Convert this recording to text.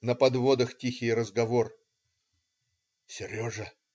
На подводах тихий разговор: "Сережа!